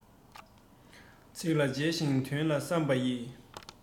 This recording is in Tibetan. ཚིག ལ མཇལ ཞིང དོན ལ བསམ པ ཡིས